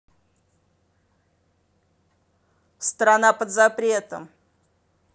страна под запретом